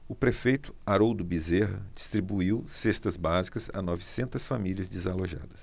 o prefeito haroldo bezerra distribuiu cestas básicas a novecentas famílias desalojadas